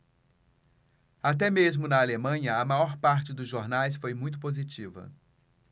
até mesmo na alemanha a maior parte dos jornais foi muito positiva